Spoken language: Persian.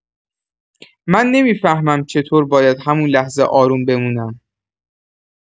من نمی‌فهمم چطور باید همون لحظه آروم بمونم.